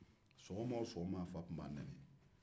a fa tun b'a nɛni sɔgɔma o sɔgɔma